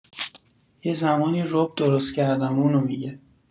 یه زمانی رب درست کردم اونو می‌گه